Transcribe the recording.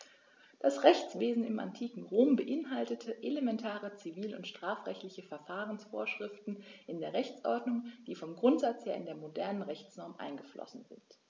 Das Rechtswesen im antiken Rom beinhaltete elementare zivil- und strafrechtliche Verfahrensvorschriften in der Rechtsordnung, die vom Grundsatz her in die modernen Rechtsnormen eingeflossen sind.